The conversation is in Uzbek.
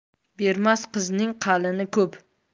bermas qizning qalini ko'p